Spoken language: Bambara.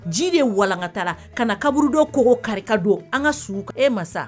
Ji de walankata ka na kaburudo kogo kari don an ka su e ma